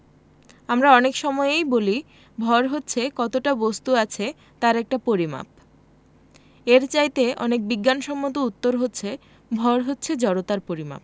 আমরা অনেক সময়েই বলি ভর হচ্ছে কতটা বস্তু আছে তার একটা পরিমাপ এর চাইতে অনেক বিজ্ঞানসম্মত উত্তর হচ্ছে ভর হচ্ছে জড়তার পরিমাপ